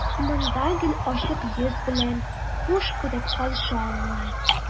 Монда гел ачык йөз белән, хуш күреп каршы алалар.